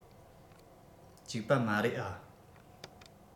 ཅིག པ མ རེད ཨ